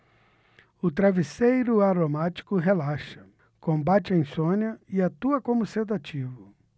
o travesseiro aromático relaxa combate a insônia e atua como sedativo